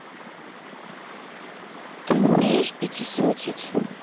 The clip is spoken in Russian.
ты умеешь пятисотить